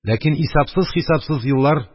Ләкин исәпсез-хисапсыз еллар